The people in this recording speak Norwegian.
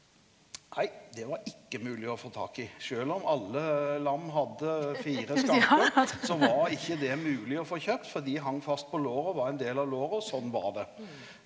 nei det var ikkje mogleg å få tak i sjølv om alle lam hadde fire skjenker så var ikkje det mogleg å få kjøpt for dei hang fast på låra var ein del av låra og sånn var det.